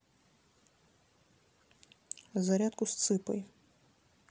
зарядку с цыпой